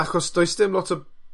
Achos does dim lot o